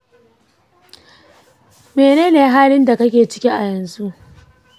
menene halin da kake ciki a yanzu ?